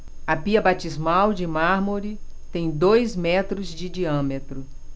a pia batismal de mármore tem dois metros de diâmetro